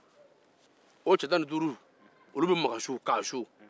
o ce tan ni duuru bɛ makan su